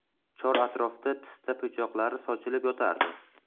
chor atrofda pista po'choqlari sochilib yotardi